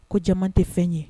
Ko jama tɛ fɛn ye